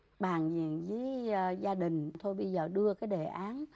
bàn dị với a gia đình thôi bây giờ đưa cái đề án